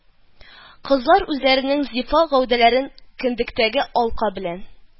Кызлар үзләренең зифа гәүдәләрен кендектәге алка белән